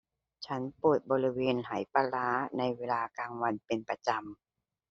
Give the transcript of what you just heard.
ฉันปวดบริเวณไหปลาร้าในเวลากลางวันเป็นประจำ